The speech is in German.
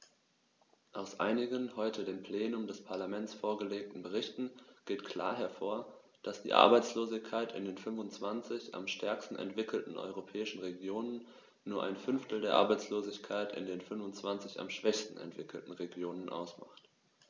Aus einigen heute dem Plenum des Parlaments vorgelegten Berichten geht klar hervor, dass die Arbeitslosigkeit in den 25 am stärksten entwickelten europäischen Regionen nur ein Fünftel der Arbeitslosigkeit in den 25 am schwächsten entwickelten Regionen ausmacht.